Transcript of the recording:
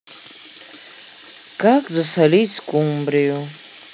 как засолить скумбрию